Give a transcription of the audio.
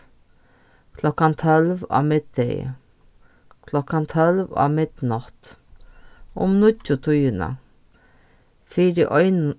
klokkan tólv á middegi klokkan tólv á midnátt um níggjutíðina fyri einum